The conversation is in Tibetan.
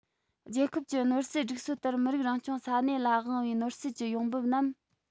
རྒྱལ ཁབ ཀྱི ནོར སྲིད སྒྲིག སྲོལ ལྟར མི རིགས རང སྐྱོང ས གནས ལ དབང བའི ནོར སྲིད ཀྱི ཡོང འབབ རྣམས